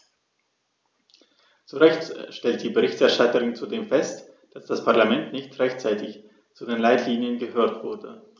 Zu Recht stellt die Berichterstatterin zudem fest, dass das Parlament nicht rechtzeitig zu den Leitlinien gehört wurde.